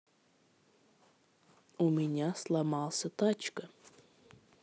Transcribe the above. у меня сломался тачка